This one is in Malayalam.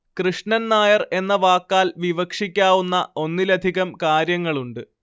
കൃഷ്ണൻ നായർ എന്ന വാക്കാൽ വിവക്ഷിക്കാവുന്ന ഒന്നിലധികം കാര്യങ്ങളുണ്ട്